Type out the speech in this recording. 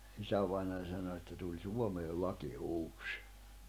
isävainaja sanoi että tuli Suomeen laki uusi